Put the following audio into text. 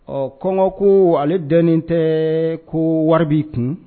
Ɔ kɔngɔ ko ale denin tɛ ko wari'i kun